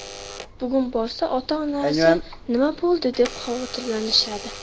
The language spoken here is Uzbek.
bugun borsa ota onasi nima bo'ldi deb xavotirlanishadi